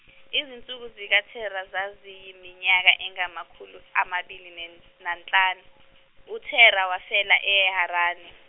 izinsuku zikaThera zaziyiminyaka engamakhulu amabili nen- nanhlanu, uThera wafela eHarani.